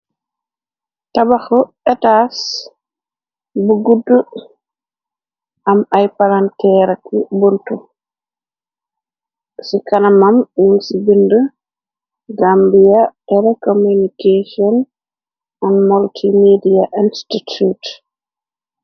Tabaxu etas bu gudd am ay palankeeraki buntu ci kana mam nin ci bind gambiya telecommunication an multimedia institute.